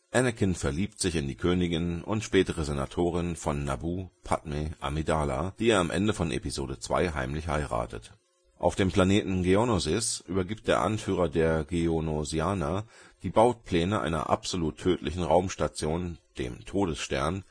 Anakin verliebt sich in die Königin und spätere Senatorin von Naboo Padmé Amidala, die er am Ende von Episode II heimlich heiratet. Auf dem Planeten Geonosis übergibt der Anführer der Geonosianer Darth Tyranus (besser bekannt als Count Dooku) die Baupläne einer absolut tödlichen Raumstation - dem Todesstern